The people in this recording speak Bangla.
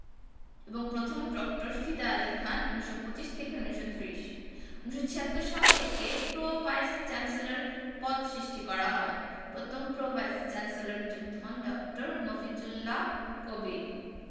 এবং প্রথম প্রক্টর ফিদা আলী খান ১৯২৫ ১৯৩০ ১৯৭৬ সাল থেকে প্রো ভাইস চ্যান্সেলর পদ সৃষ্টি করা হয় প্রতম প্রো ভাইস চ্যান্সেলর নিযুক্ত হন ড. মফিজুল্লাহ কবির